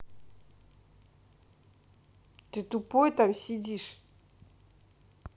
ты тупой там сидишь